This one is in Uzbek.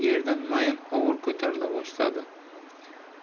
yerdan mayin hovur ko'tarila boshladi